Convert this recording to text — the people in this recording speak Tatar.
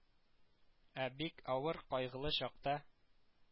Ә бик авыр, кайгылы чакта